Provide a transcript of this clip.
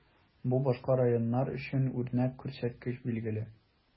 Бу башка районнар өчен үрнәк күрсәткеч, билгеле.